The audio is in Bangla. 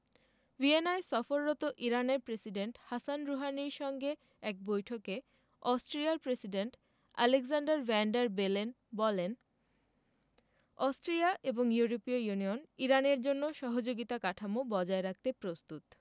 ভিয়েনায় সফররত ইরানের প্রেসিডেন্ট হাসান রুহানির সঙ্গে এক বৈঠকে অস্ট্রিয়ার president Alexander van der Bellen বলেন অস্ট্রিয়া এবং ইউরোপীয় ইউনিয়ন ইরানের জন্য সহযোগিতা কাঠামো বজায় রাখতে প্রস্তুত